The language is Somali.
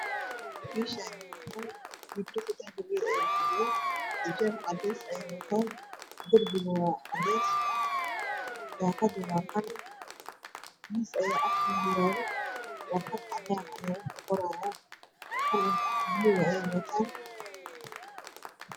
Meeshaan waa qol gabdho ayaa fadhiyo xijaab cadays ayey wataan daaqada waa qalin miis ayaa agtooda yaalo warqad cadaan ayey wax ku qorayaan qalin buluug ayey wataan